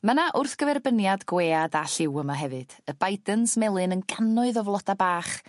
Ma' 'na wrthgyferbyniad gwead a lliw yma hefyd y bidens melyn yn gannoedd o floda bach